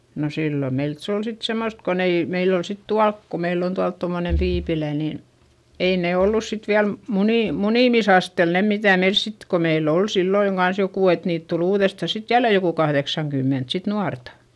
no silloin meiltä se oli sitten semmoista kun ei meillä oli sitten tuolla kun meillä on tuolla tuommoinen tiipilä niin ei ne ollut sitten vielä - munimisasteella ne mitä meillä sitten kun meillä oli silloin kanssa joku että niitä tuli uudestaan sitten jälleen joku kahdeksankymmentä sitten nuorta